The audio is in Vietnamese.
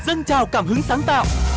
dâng trào cảm hứng sáng tạo